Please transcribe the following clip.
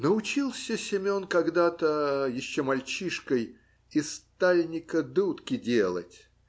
----------- Научился Семен когда-то, еще мальчишкой, из тальника дудки делать.